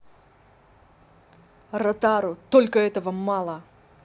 ротару только этого мало